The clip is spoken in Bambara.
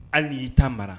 Hali y'i ta mara